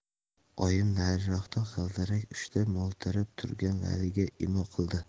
oyim nariroqda g'ildirak ushlab mo'ltirab turgan valiga imo qildi